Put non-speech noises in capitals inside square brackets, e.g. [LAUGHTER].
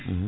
[HESITATION] [HESITATION]